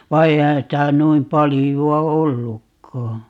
vaan eihän sitä noin paljoa ollutkaan